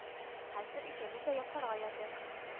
Хәзер икебез дә йокларга ятыйк